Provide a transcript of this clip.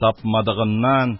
Тапмадыгыннан